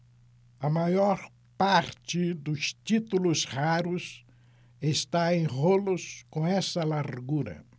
a maior parte dos títulos raros está em rolos com essa largura